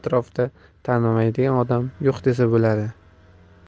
bu atrofda tanimaydigan odam yo'q desa bo'ladi